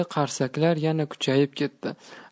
qarsaklar yana kuchayib ketdi